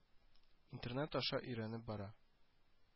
Интернет аша өйрәнеп бара